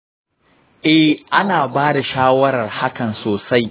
eh, ana ba da shawarar hakan sosai.